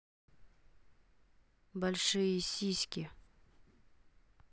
большие сиськи